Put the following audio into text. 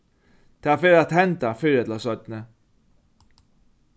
tað fer at henda fyrr ella seinni